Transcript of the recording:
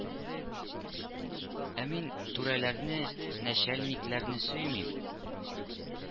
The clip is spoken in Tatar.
Ә мин түрәләрне, нәчәлникләрне сөймим